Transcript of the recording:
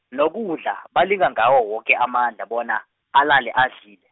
nokudla balinga ngawo woke amandla bona, alale adlile.